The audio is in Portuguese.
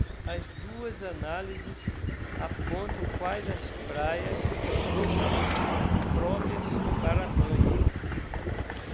as duas análises apontam quais as praias do município próprias para banho